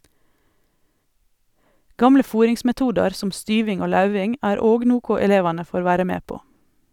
Gamle fôringsmetodar som styving og lauving er òg noko elevane får vere med på.